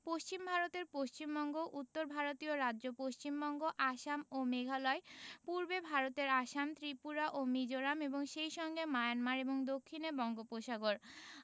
পশ্চিমে ভারতের পশ্চিমবঙ্গ উত্তরে ভারতীয় রাজ্য পশ্চিমবঙ্গ আসাম ও মেঘালয় পূর্বে ভারতের আসাম ত্রিপুরা ও মিজোরাম এবং সেই সঙ্গে মায়ানমার এবং দক্ষিণে বঙ্গোপসাগর